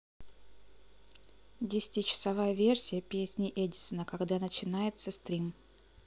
десятичасовая версия песни эдисона когда начинается стрим